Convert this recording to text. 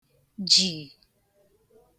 jị̀ị̀